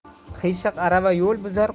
qiyshiq arava yo'l buzar